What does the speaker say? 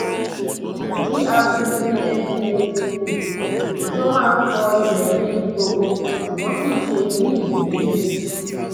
@gr33ndatq : Òjò máa ń fọ ibẹ̀ ní ibi gbogbo ṣùgbọ́n kìí ṣe ibí yìí ní Egypt.